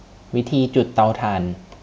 วิธีจุดเตาถ่าน